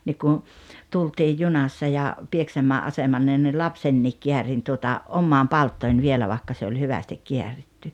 niin kun tultiin junassa ja Pieksämäen asemalle niin lapsenkin käärin tuota omaan palttooseen vielä vaikka se oli hyvästi kääritty